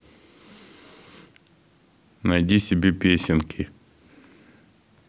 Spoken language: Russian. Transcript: найди себе песенки